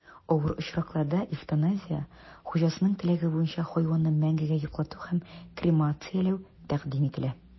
Авыр очракларда эвтаназия (хуҗасының теләге буенча хайванны мәңгегә йоклату һәм кремацияләү) тәкъдим ителә.